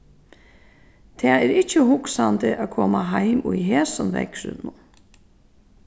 tað er ikki hugsandi at koma heim í hesum veðrinum